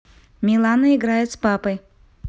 милана играет с папой